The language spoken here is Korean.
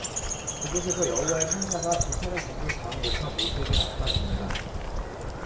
그곳에서 여호와의 천사가 불타는 덤불 가운데서 모세에게 나타났습니다